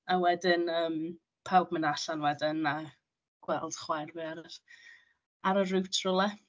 A wedyn yym pawb mynd allan wedyn a gweld chwaer fi ar yr ar yr route rywle.